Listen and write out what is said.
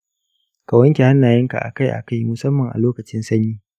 ka wanke hannayen ka a kai a kai musamman a locakin sanyi.